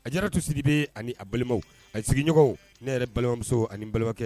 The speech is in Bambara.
Ajaratu Sidibe ani a balimaw a sigiɲɔgɔnw ne yɛrɛ balimamuso ani n balimabakɛ